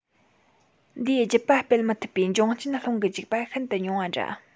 འདིས རྒྱུད པ སྤེལ མི ཐུབ པའི འབྱུང རྐྱེན སློང གི བཅུག པ ཤིན ཏུ ཉུང བ འདྲ